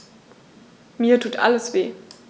Mir tut alles weh.